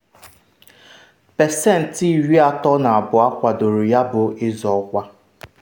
Pesentị Iri atọ na abụọ kwadoro yabụ ịzọ ọkwa.